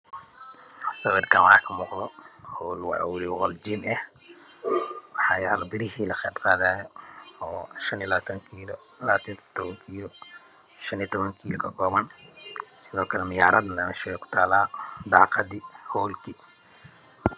Sawirkaan waxaa ka muuqdo howl waaye qol jiim ah.waxaa yaalo birihii la qaad qaadaayay. Oo shan iyo labaatan kiilo, labaatan iyo dodobo kiilo shan iyo toban kiilo. sidoo kale miraayadne meesha way ku taalaa. taaqadii howlkii